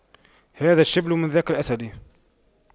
هذا الشبل من ذاك الأسد